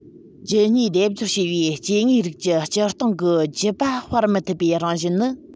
རྒྱུད གཉིས སྡེབ སྦྱོར བྱས པའི སྐྱེ དངོས རིགས ཀྱི སྤྱིར བཏང གི རྒྱུད པ སྤེལ མི ཐུབ པའི རང བཞིན ནི